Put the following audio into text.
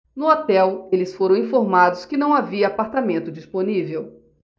no hotel eles foram informados que não havia apartamento disponível